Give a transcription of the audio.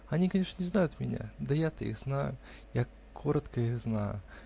Они, конечно, не знают меня, да я-то их знаю Я коротко их знаю